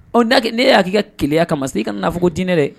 Ɔ ne y'a i ka kɛlɛya kama ma se i ka fɔ ko diinɛ dɛɛ